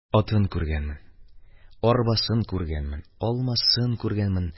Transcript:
Атын күргәнмен, арбасын күргәнмен, алмасын күргәнмен,